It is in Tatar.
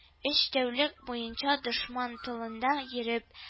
Өч тәүлек буенча дошман тылында йөреп